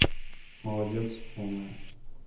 молодец умная